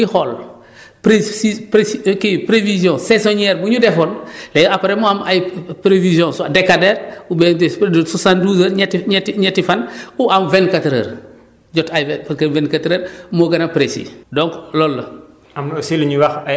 donc dèjà ñoom ñu ngi xool précis précis kii prévision saisonnière bu énu defoon et après mu am ay prévisions soit décadaires oubien di di soixante douze heures ñetti ñetti ñetti fan ou en vingt quatre heures jot ay vingt quatre heures moo gën a précis donc loolu la